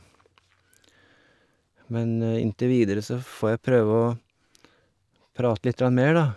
Men inntil videre så får jeg prøve å prate lite grann mer da.